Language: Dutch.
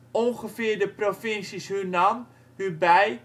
ongeveer de provincies Hunan, Hubei